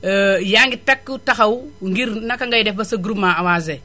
yaa ngi takku taxaw ngir naka ngay def ba sa groupement avancé